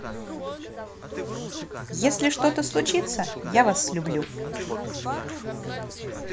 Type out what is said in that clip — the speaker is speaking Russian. если что то случится я вас люблю